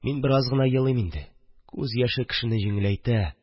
Мин бераз гына елыйм инде, күз яше кешене җиңеләйтә